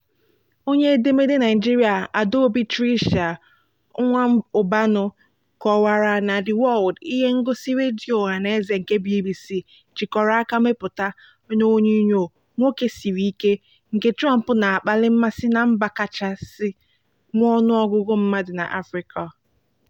Onye edemede Naịjirịa Adaobi Tricia Nwaubani kọwara na The World, ihe ngosi redio ọha na eze nke BBC jikọrọ aka mepụta, na "onyinyo nwoke siri ike" nke Trump na-akpali mmasị na mba kachasị nwee ọnụ ọgụgụ mmadụ n'Africa: